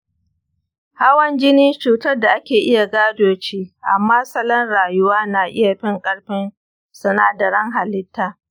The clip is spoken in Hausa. hawan-jini cutar da ake iya gado ce amma salon-rayuwa na iya fin-ƙarfin sinadaran-halitta